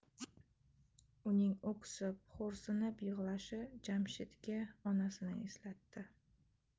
uning o'ksib xo'rsinib yig'lashi jamshidga onasini eslatdi